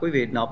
quý vị nộp